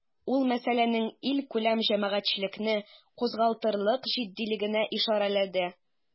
Ул мәсьәләнең илкүләм җәмәгатьчелекне кузгатырлык җитдилегенә ишарәләде.